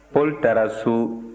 paul taara so